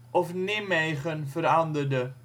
of Nimmegen veranderde